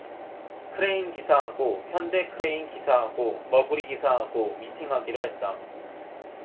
크레인 기사하고 현대 크레인 기사하고 머구리 기사하고 미팅하기로 했다